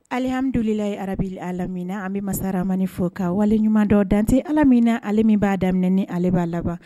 Alihammidulila ye rabubi a lamina an bɛ masaramani fɔ ka waleɲumanuma dɔ dante ala min na ale min b'a daminɛ ni ale b'a laban